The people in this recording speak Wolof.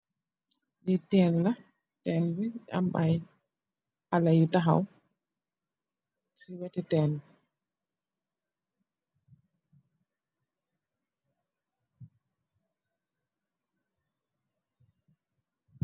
Li tèèn la, tèèn bi mugii am ay xaleh yu taxaw ci weti tèèn bi.